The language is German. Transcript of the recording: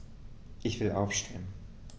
Ich will aufstehen.